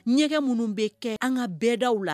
Ɲɛgɛ minnu bɛ kɛ an ka bɛɛdaw la.